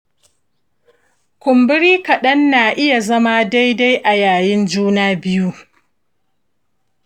kumburi kaɗan na iya zama dai-dai a yayin juna-biyu